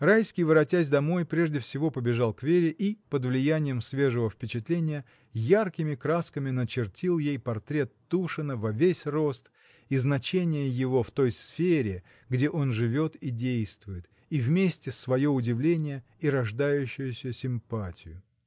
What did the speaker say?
Райский, воротясь домой, прежде всего побежал к Вере и, под влиянием свежего впечатления, яркими красками начертил ей портрет Тушина во весь рост и значение его в той сфере, где он живет и действует, и вместе свое удивление и рождающуюся симпатию.